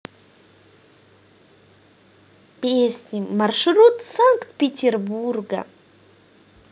песни маршрут санкт петербурга